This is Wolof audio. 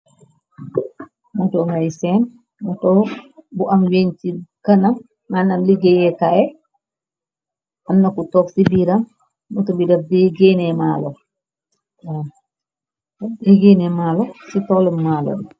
Moto ngay sèèn moto bu am weñ ci kanam manam ligéeyi Kaye am na ku tóóg ci biiram moto bi daf de gene maló ci tolli maló bi.